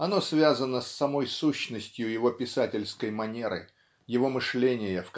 оно связано с самой сущностью его писательской манеры его мышления